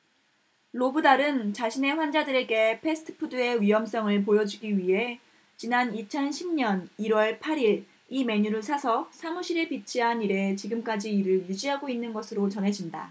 로브달은 자신의 환자들에게 패스트푸드의 위험성을 보여주기 위해 지난 이천 십 년 일 월 팔 일 이 메뉴를 사서 사무실에 비치한 이래 지금까지 이를 유지하고 있는 것으로 전해진다